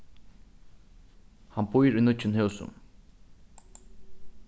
hann býr í nýggjum húsum